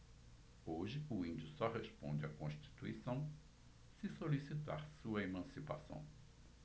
hoje o índio só responde à constituição se solicitar sua emancipação